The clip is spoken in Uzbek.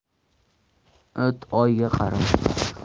it oyga qarab hurar